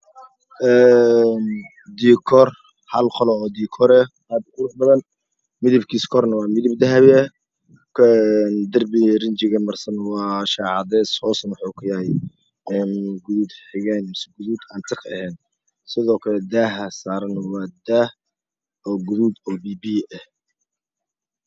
Een diikoor hal qol oo diikoor aad u qurux badan midabkiisa midabkiisa korna waa midab adahabi ah darbiga riinjiga marsan waa shaah cadaysa ah hoosna wuxuu ka yahay guduud xigaen mise guduud aan tiq ahayn sidoo kale daaha saaran waa daah guduud biyo biyo ah